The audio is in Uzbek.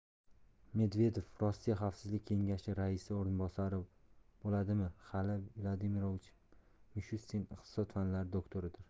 medvedev rossiya xavfsizlik kengashi raisi o'rinbosari bo'ladimixail vladimirovich mishustin iqtisod fanlari doktoridir